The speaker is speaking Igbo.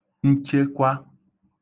nchekwa